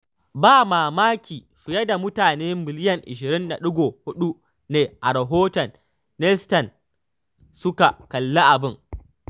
Ba mamaki fiye da mutane miliyan 20.4 ne a rahoton Nielsen suka kalli abin.